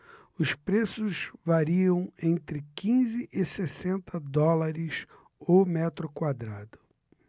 os preços variam entre quinze e sessenta dólares o metro quadrado